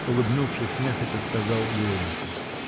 — улыбнувшись нехотя, сказал Леонтий.